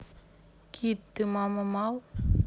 кит ты мама мал